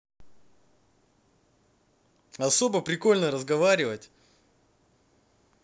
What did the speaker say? особо прикольно разговаривать